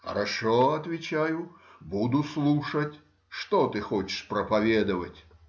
— Хорошо,— отвечаю,— буду слушать, что ты хочешь проповедовать.